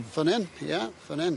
Fan 'yn ia fan 'yn.